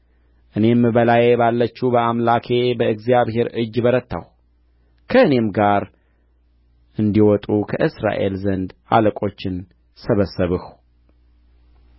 እኔም በላዬ ባለችው በአምላኬ በእግዚአብሔር እጅ በረታሁ ከእኔም ጋር እንዲወጡ ከእስራኤል ዘንድ አለቆችን ሰበሰብሁ